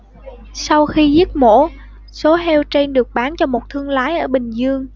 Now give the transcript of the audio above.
sau khi giết mổ số heo trên được bán cho một thương lái ở bình dương